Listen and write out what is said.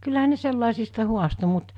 kyllähän ne sellaisista haastoi mutta